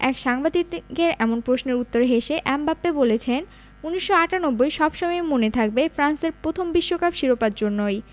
এক সাংবাদিকের এমন প্রশ্নের উত্তরে হেসে এমবাপ্পে বলেছেন ১৯৯৮ সব সময়ই মনে থাকবে ফ্রান্সের প্রথম বিশ্বকাপ শিরোপার জন্যই